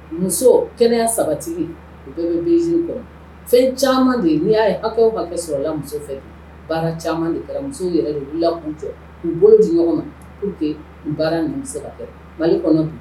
Muso, kɛnɛya sabatili, u bɛɛ bɛ bɔ fɛn caaman de, n'i y'a ye hakɛw hakɛ sɔrɔ la muso fɛ bi baara caaman de kɛra, musow yɛrɛ de wulila k'u jɔ, k'u bolo di ɲɔgɔn ma pour que ni. baara in bɛ se ka kɛ mali kɔnɔ.